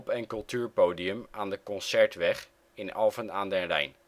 en Cultuurpodium aan de Concertweg in Alphen aan den Rijn